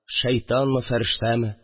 Шәйтанмы? Фәрештәме